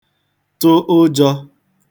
tụ ụjọ̄